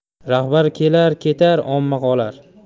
rahbar kelar ketar omma qolar